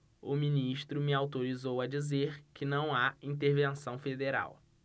o ministro me autorizou a dizer que não há intervenção federal